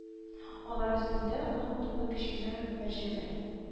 Алар өстендә он тулы кечкенә мәрҗәләр